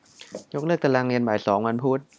ยกเลิกตารางเรียนบ่ายสองวันพุธ